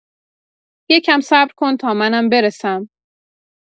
یه کم صبر کن تا منم برسم